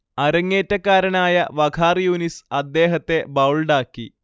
അര‍ങ്ങേറ്റക്കാരനായ വഖാർ യൂനിസ് അദ്ദേഹത്തെ ബൗൾഡാക്കി